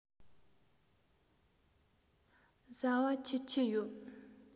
བཟའ བ ཆི ཆི ཡོད